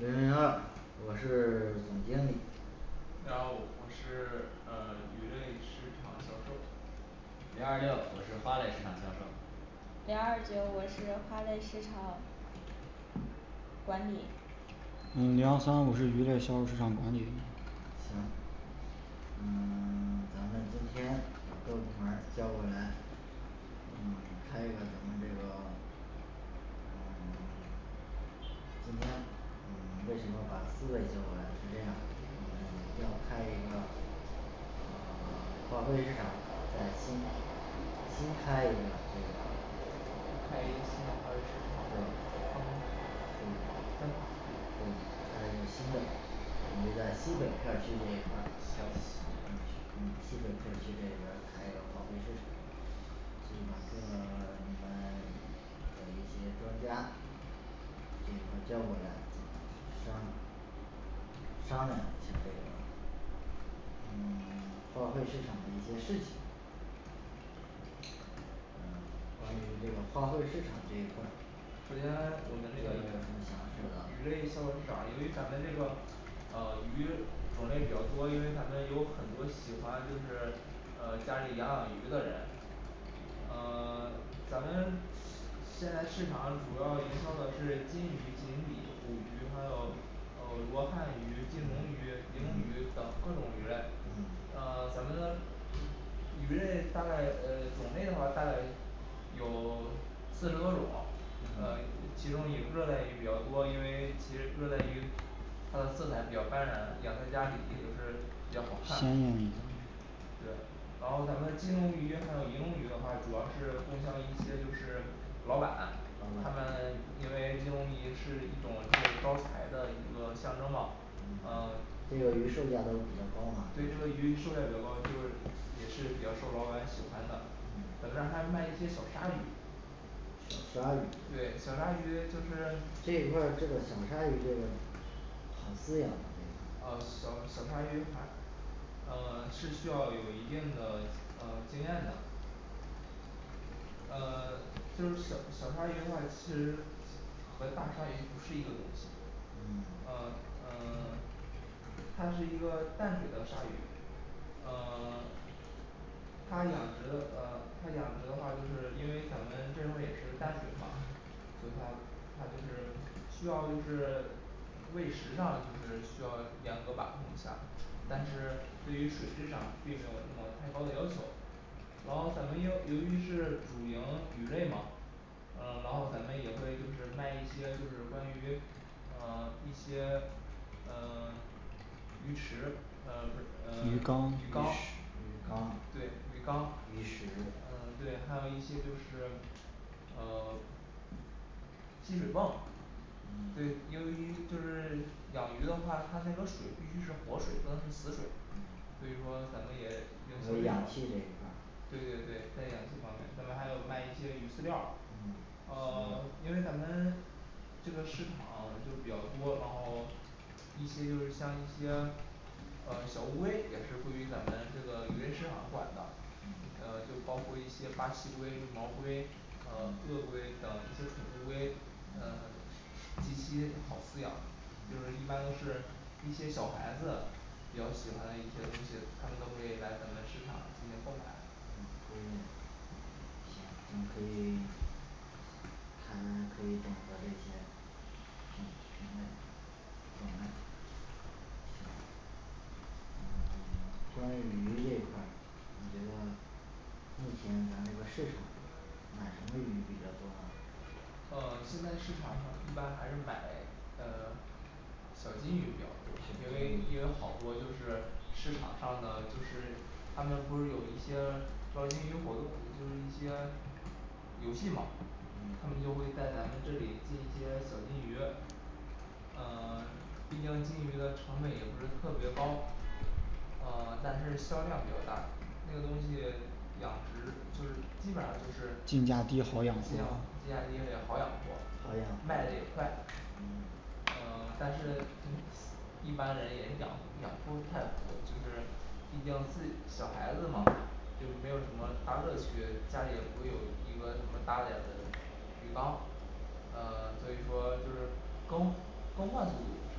零零二我是 总经理零幺五我是 呃鱼类市场销售零二六我是花类市场销售零二九我是花类市场管理嗯零幺三我是鱼类销售市场管理行呃 咱们今天把各部门儿叫过来嗯 开一个咱们这个 嗯 今天嗯为什么把四位叫过来是这样&嗯&咱们要开一个呃花卉市场再新新开一个这个开一个新的花卉市场的分分对场是对吗开一个新的我们在西北片儿区那一块儿选了西北片儿嗯区西北片儿区这边儿开一个花卉市场那个呃你们一些专家全部叫过来咱们商商量一下儿这个嗯 花卉市场的一些事情嗯 关于这个花卉市场这一块儿首先我们那个有什么想说鱼的鱼类销售市场由于咱们这个啊鱼种类比较多因为咱们有很多喜欢就是呃家里养养鱼的人呃 咱们现在市场上主要营销的是金鱼锦鲤虎鱼还有呃 罗汉鱼金龙鱼银龙鱼等各种鱼类嗯呃 咱们的鱼类大概呃种类的话大概有 四十多种呃其嗯中以热带鱼比较多因为其实热带鱼它的色彩比较斑斓养在家里也就是比较好看金龙鱼对然后咱们的金龙鱼还有银龙鱼的话主要是供销一些就是老板他老们板因为金龙鱼是一种就是招财的一个象征嘛呃 嗯 这个鱼售价都比较高吗对这个鱼售价比较高就是也是比较受老板喜欢的咱们嗯这还卖一些小鲨鱼鲨鱼对小鲨鱼就是这一块儿这个小鲨鱼这个饲养这一块哦儿小小鲨鱼还呃 是需要有一定的嗯经验的嗯 就是小小鲨鱼的话其实和大鲨鱼不是一个东西嗯呃 呃 它是一个淡水的鲨鱼呃 它养殖的呃它养殖的话就是因为咱们这块儿也是淡水嘛所以它它就是需要就是喂食上就是需要严格把控一下但是对于水质上并没有那么太高的要求然后咱们因为由于是主营鱼类嘛嗯然后咱们也会就是卖一些就是关于呃 一些呃 鱼池呃 不是嗯 鱼鱼缸缸鱼食对鱼鱼缸缸鱼食嗯对还有一些就是呃 吸水泵对嗯由于就是养鱼的话它那个水必须是活水不能是死水所以说咱们也营还销有氧气这一块儿对对对在氧气方面咱们还有卖一些鱼饲料嗯儿呃 因为咱们这个市场就比较多然后一些就是像一些呃小乌龟也是归于咱们这个鱼类市场管的呃就包括一些巴西龟毛龟呃鳄龟等一些宠物龟嗯呃 极其好饲养就是一般都是一些小孩子比较喜欢的一些东西他们都会来咱们市场进行购买可以行这可以 确实可以整个这些平平台购买&行&行嗯 将来鱼这一块儿你觉得目前咱们的市场买什么鱼比较多呢呃现在市场上一般还是买呃 小金鱼比较多小因为金因为好鱼多就是市场上的就是他们不是有一些捞金鱼活动就是一些游戏嘛他们就嗯会在咱们这里进一些小金鱼嗯 毕竟金鱼的成本也不是特别高嗯 但是销量比较大那个东西养殖就是基本上就是进进价价进价低低好好养养活活好养卖得也活快嗯但是对一般人也养养不太多就是毕竟是小孩子嘛就没有什么大乐趣家里也不会有一个什么大点儿的鱼缸嗯所以说就是更更换速度是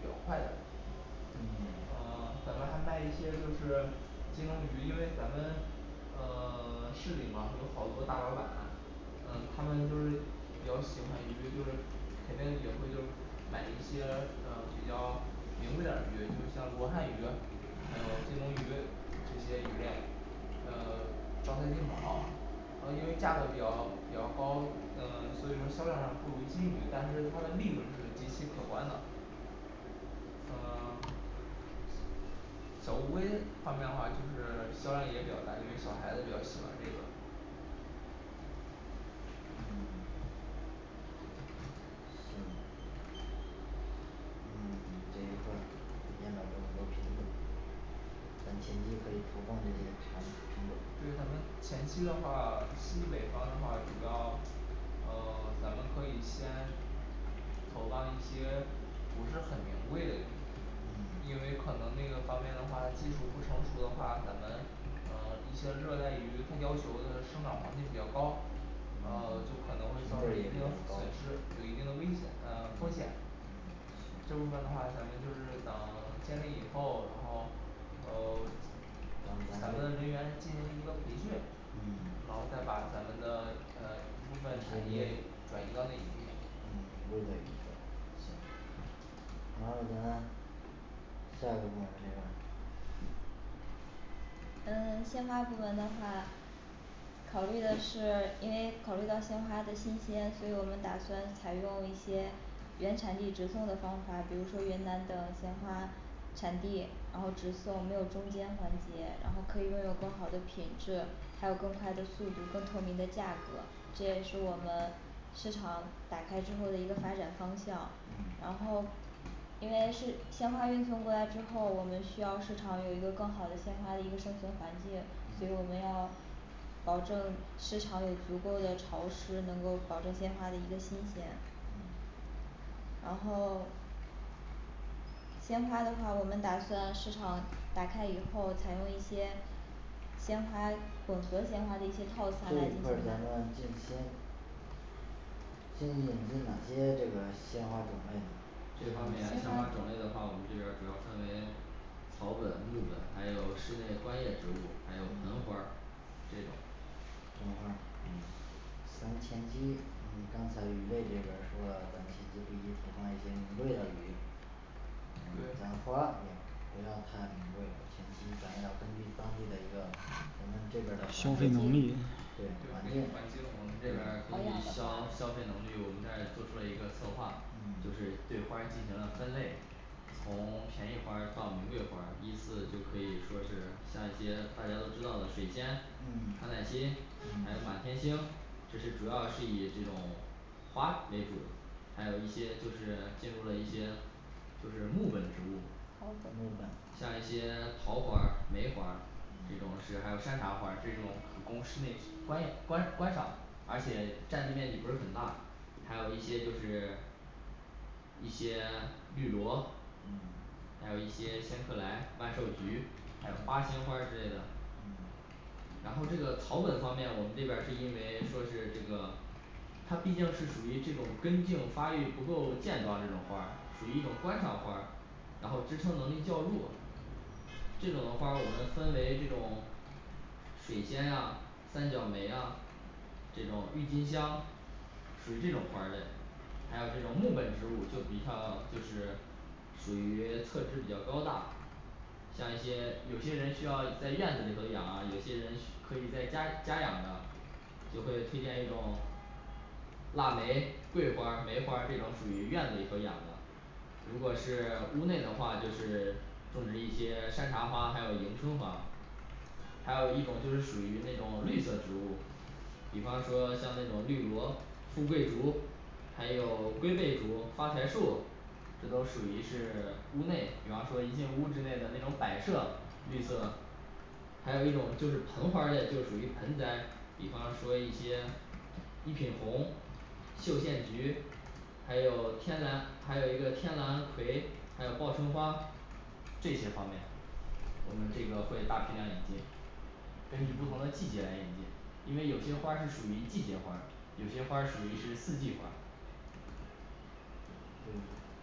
比较快的嗯 咱们还卖一些就是金龙鱼因为咱们呃 市里嘛有好多大老板嗯他们就是比较喜欢鱼就是肯定也会就买一些呃比较名贵点儿的鱼就像罗汉鱼还有金龙鱼这些鱼类呃 招财进宝呃因为价格比较比较高嗯所以说销量上不如金鱼但是它的利润是极其可观的嗯 小乌龟方面儿的话就是销量也比较大因为小孩子比较喜欢这个嗯 嗯嗯这一块推荐了这么多品种咱前期可以投放一些产品种对咱们前期的话西北方的话主要嗯 咱们可以先投放一些不是很名贵的因为可嗯能那个方面的话技术不成熟的话咱们嗯 一些热带鱼它要求的生长环境比较高嗯呃 就可生长能会造成环一境定比较的损高失有一定的危险嗯 风险这部分的话咱们就是等建立以后然后呃 咱们的人员进行一个培训嗯然后再把咱们的呃 一部分产业转移到那一面嗯行然后咱下个部门儿这个嗯鲜花部门的话考虑的是因为考虑到鲜花的新鲜所以我们打算采用一些原产地直送的方法比如说云南的鲜花产地然后直送没有中间环节然后可以拥有更好的品质还有更快的速度更透明的价格这也是我们市场打开之后的一个发展方向然嗯后因为是鲜花运送过来之后我们需要市场有一个更好的鲜花的一个生存环境所以我们要保证市场有足够的潮湿能够保证鲜花的一个新鲜嗯然后鲜花的话我们打算市场打开以后采用一些鲜花混合鲜花的这一些一块套儿餐咱来们近期新引进哪些这个鲜花种类呢这方面鲜花儿种类的话我们这边儿主要分为草本木本还有室内观叶植物还有盆花儿这种鲜花儿嗯咱们前期刚才鱼类那边儿说前期必须投放一些名贵的鱼养对花不要太名贵前期咱要根据当地的一个咱们这边儿的消消费费能能力力对环环境境我们这边根好据养消的消费花能力我们这儿做出了一个策划就是嗯 对花儿进行了分类从便宜花儿到名贵花儿依次就可以说是像一些大家都知道的水仙嗯康乃馨还嗯有满天星这是主要是以这种花为主还有一些就是进入了一些就是木本植物草木本本像一些桃花儿梅花儿这种嗯是还有山茶花儿这种可供室内观养观观赏而且占地面积不是很大还有一些就是一些绿萝嗯还有一些仙客来万寿菊还有八仙花儿之类的然后这个草本方面我们这边儿是因为说是这个它毕竟是属于这种根茎发育不够健壮这种花儿属于一种观赏花儿然后支撑能力较弱这种的花儿我们分为这种水仙呀三角梅呀这种郁金香属于这种花儿类还有这种木本植物就比较就是属于侧枝比较高大像一些有些人需要在院子里头养啊有些人需可以在家家养的就会推荐一种腊梅桂花儿梅花儿这种属于院子里头养的如果是屋内的话就是种植一些山茶花还有迎春花还有一种就是属于那种绿色植物比方说像那种绿萝富贵竹还有龟背竹发财树这都属于是屋内比方说一进屋之内的那种摆设绿色还有一种就是盆花儿类就属于盆栽比方说一些一品红绣线菊还有天兰还有一个天兰葵还有报春花这些方面我们这个会大批量引进根据不同的季节来引进因为有些花儿是属于季节花儿有些花儿属于是四季花儿嗯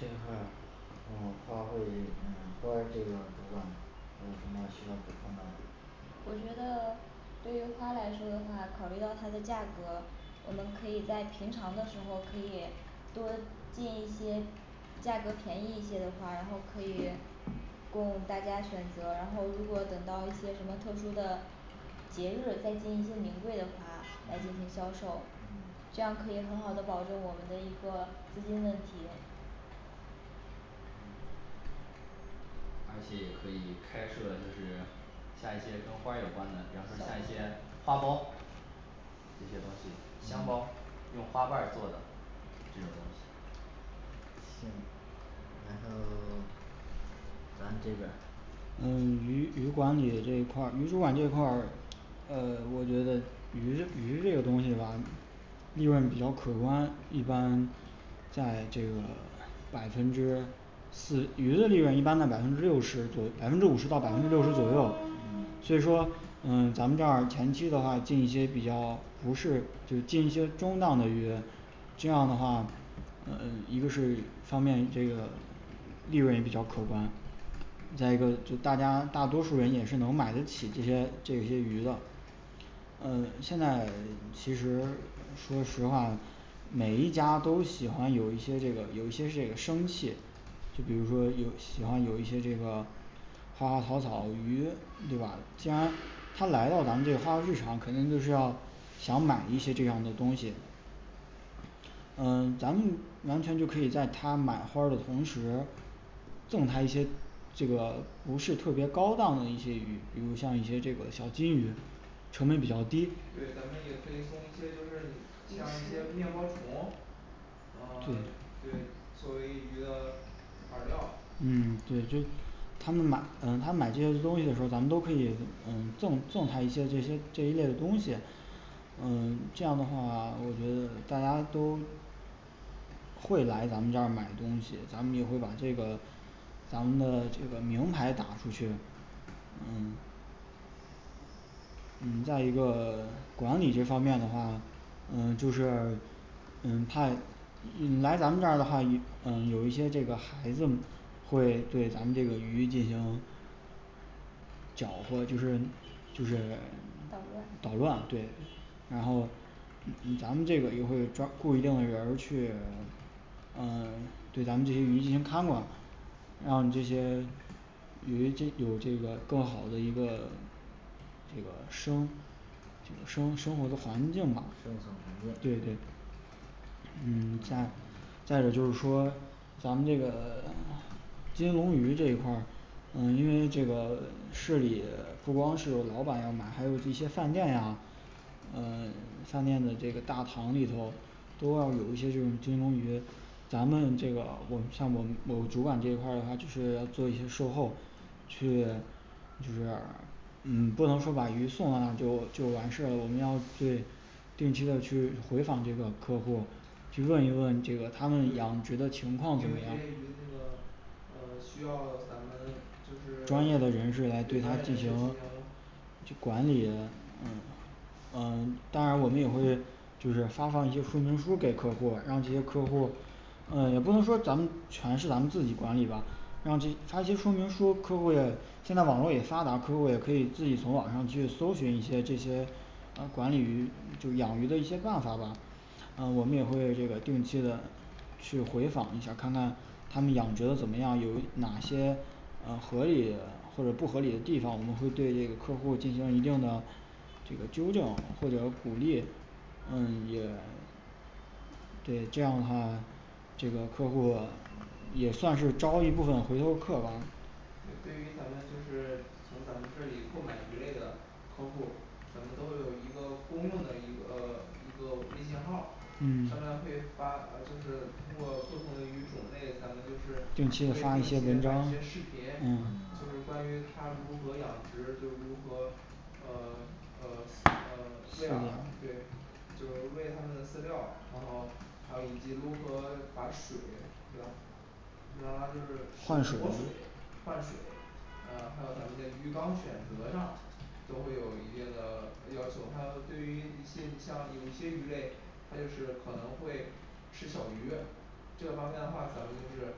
这一块儿我们花卉方面儿花儿这边儿主管能不能系统我觉得对于花来说的话考虑到它的价格，我们可以在平常的时候可以多进一些价格便宜一些的花儿，然后可以供大家选择，然后如果等到一些什么特殊的节日再进一些名贵的花来进行销嗯售嗯这样可以很好的保证我们的一个资金问题而且也可以开设就是像一些跟花儿有关的比方说像一些花包，这些东西香包用花瓣儿做的这种东西行然后儿咱这边儿嗯 鱼鱼管理这一块儿鱼管这一块儿呃我觉得鱼鱼这个东西吧利润比较可观一般在这个百分之四鱼的利润一般在百分之六十左百分之五十到百分之六十左右嗯所以说嗯 咱们这儿前期的话进一些比较不是就进一些中档的鱼这样的话嗯一个是方便这个利润也比较可观，再一个大家大多数人也是能买得起这些这些鱼的呃现在其实说实话每一家都喜欢有一些这个有一些这个生气就比如说就喜欢有一些那个花花草草的鱼对吧既然他来到咱们这个花卉市场肯定就是要想买一些这样的东西嗯咱们完全就可以在他买花儿的同时，送他一些这个不是特别高档的一些鱼比如像一些这个小金鱼，成本比较低对，咱们也可以送一些就是像一些面包虫嗯对对作为鱼的饵料嗯对他们买可能他们买这些东西的时候儿咱们都可以送送他一些这些这一类的东西嗯 这样的话我觉得大家都会来咱们这儿买东西，咱们也会把这个咱们的这个名牌打出去嗯我们在一个 管理这方面的话呢，嗯就是嗯他来来咱们这儿的话，嗯有一些这个孩子们会对咱们这个鱼进行搅和就是就是捣捣乱乱对然后咱们这个也会抓，固定的人儿去嗯 对咱们这些鱼进行看管，让这些鱼这有这个更好的一个这个生生生活的环境生存吧环境对对嗯 再再有就是说咱们这个 金龙鱼这一块儿，嗯因为这个 市里不光是有老板要买，还有一些饭店呀嗯饭店的这个大堂里头都要有一些这种金龙鱼咱们这个我们项目主管这一块的话就是做一些售后去就是嗯不能说把鱼送了就就完事儿，我们要对定期的去回访这个客户，去问一问这对，因为这些鱼这个个他们养殖的情况呃需要咱们就是专专业业的的人人士士来来进行去管理，嗯呃当然我们也会就是发放一些说明书给客户儿，让这些客户儿呃也不能说咱们全是咱们自己管理吧让这它这说明书客户儿也现在网络也发达客户也可以自己从网上去搜寻一些这些嗯管理鱼就养鱼的一些办法吧嗯我们也会这个定期的去回访一下儿看看他们养殖的怎么样有哪些呃合理的或者不合理的地方，我们会对这个客户儿进行一定的这个纠正或者鼓励嗯也 对这样的话这个客户儿也算是招了一部分回头儿客吧对对于咱们就是从咱们这里购买鱼类的客户儿，咱们都有一个公用的一个一个微信号儿上嗯面会发就是通过不同的鱼种类，咱们都是定定期期会的发发一一些些视文频章嗯就是关于他如何养殖，就是如何呃呃呃喂饵对就是喂它们饲料，然后还有以及如何把水对吧然后就是使换水锁水换水，呃还有咱们的鱼缸选择上都会有一定的要求。还有对于一些你像有一些鱼类，它就是可能会吃小鱼这个方面的话咱们就是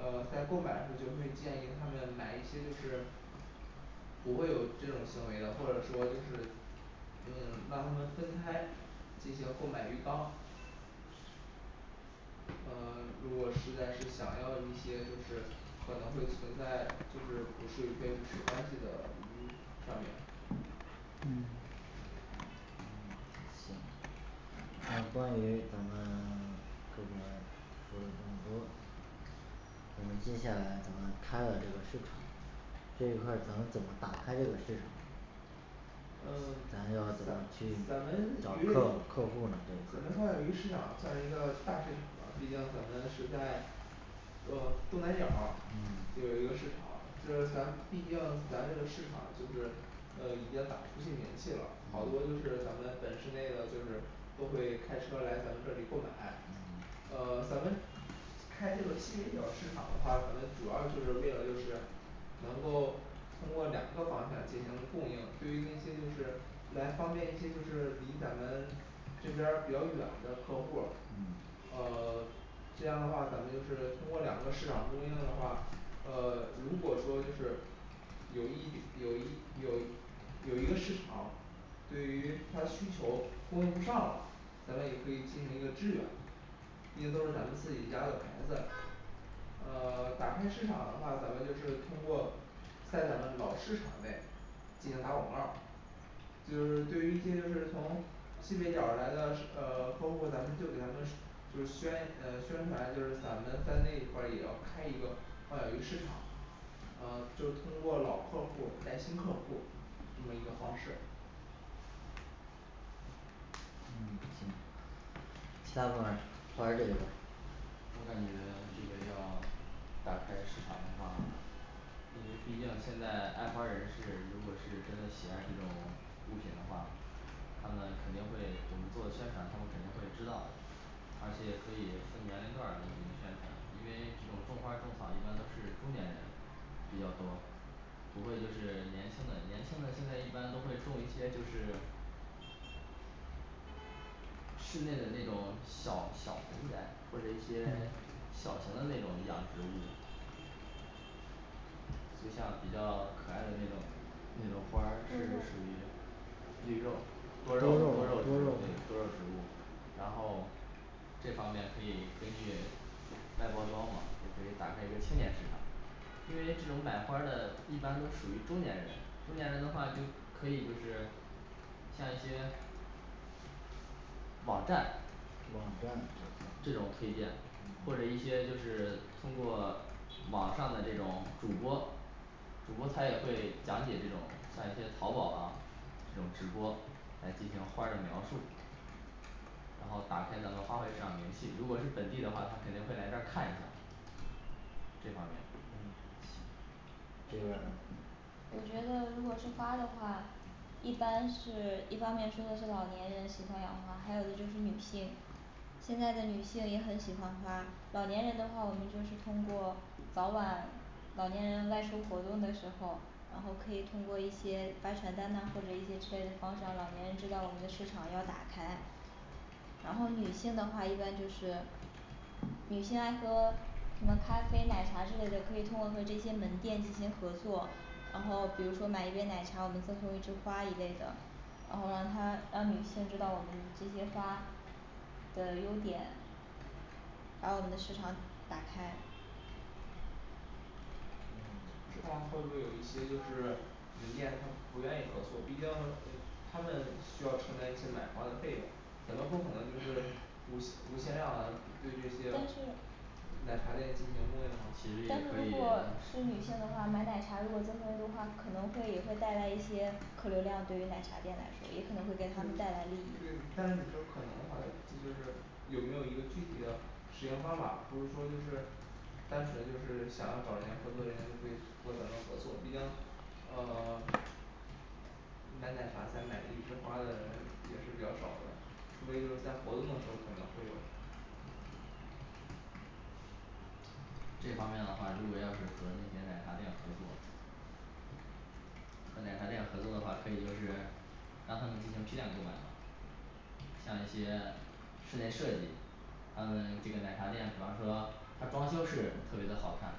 呃在购买的时候就会建议他们买一些就是不会有这种行为的或者说就是嗯 让他们分开进行购买鱼缸嗯 如果实在是想要一些，就是可能会存在，就是捕食鱼食关系的上面嗯嗯行行关于咱们 各部门儿这个公司咱们接下来我们开了这个市场这一块儿咱们怎么打开这个市场？呃咱咱咱要怎么们鱼去类咱找客们客户呢这一花块鸟儿鱼市场算一个大市场，毕竟咱们是在呃东南角儿嗯有一个市场这咱毕竟咱这个市场就是呃已经打出去名气了，好多就是咱们本市内的就是都会开车来咱们这里购买呃咱们开这个西北角儿市场的话，可能主要就是为了就是能够通过两个方向进行供应，对于那些就是来方便一些就是离咱们这边儿比较远的客户儿嗯呃 这样的话咱们就是通过两个市场供应的话，呃如果说就是有一有一有有一个市场对于它的需求供应不上了，咱们也可以进行一个支援因为都是咱们自己家的牌子呃 打开市场的话，咱们就是通过在咱们老市场内进行打广告儿就是对于一些就是从西北角儿来的呃 客户儿咱们就给他们就是宣嗯宣传，就是咱们在那一块儿也要开一个花鸟鱼市场，呃就通过老客户儿带新客户儿，这么一个方式嗯行其他部门儿花儿这边儿我感觉这个要打开市场的话，因为毕竟现在爱花儿人士如果是真的喜爱这种物品的话，他们肯定会我们做宣传他们肯定会知道的而且可以分年龄段儿来进行宣传，因为这种种花儿种草一般都是中年人，比较多，不会就是年轻的，年轻的现在一般都会种一些就是室内的那种小小盆栽或者一些&嗯&小型的那种养植物就像比较可爱的那种那种花儿多是属于肉绿肉多多肉。肉对，多多肉肉植物。然后这方面可以根据外包装嘛也可以打开一个青年市场因为这种买花儿的一般都属于中年人，中年人的话就可以就是像一些网站网站这种推荐或者一嗯些就是通过网上的这种主播主播他也会讲解这种像一些淘宝啊这种直播来进行花儿的描述然后打开咱们花卉市场名气，如果是本地的话，他肯定会来这儿看一下儿这方面嗯行这边儿呢我觉得如果是花的话一般是一方面说的是老年人喜欢养花还有就是女性现在的女性也很喜欢花，老年人的话，我们就是通过早晚老年人外出活动的时候，然后可以通过一些发传单呐或者一些之类的方式，让老年人知道我们的市场要打开，然后女性的话一般就是你现在喝什么咖啡奶茶之类的，可以通过和这些门店进行合作。然后比如说买一杯奶茶，我们赠送一枝花一类的，然后让她让女性知道我们这些花的优点把我们的市场打开只嗯怕会不会有一些就是门店他们不愿意合作，毕竟他们需要承担一些买花的费用，咱们不可能就是无无限量对这些但奶是茶店进行供其实也应但是可以如果是女性的话买奶茶，如果赠送一枝花，可能会也会带来一些客流量，对于奶茶店来说也可能会给他们带来利益但是对你说可能的话这就是有没有一个具体的实行方法，不是说就是单纯就是想要找人家合作人家就可以和咱们合作，毕竟呃 买奶茶再买一支花儿的人也是比较少的，除非就是在活动的时候儿可能会有的这方面的话如果要是和那些奶茶店合作和奶茶店合作的话可以就是 让他们进行批量购买嘛像一些室内设计他们这个奶茶店比方说他装修是特别的好看